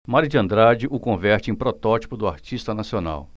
mário de andrade o converte em protótipo do artista nacional